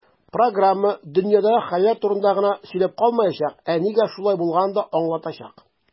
Программа "дөньядагы хәлләр турында гына сөйләп калмаячак, ә нигә шулай булганын да аңлатачак".